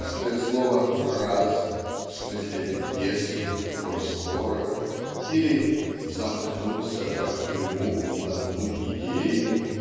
частое слово раз в смысле если коль скоро или "замкнуться как в тюрьму в одну идею"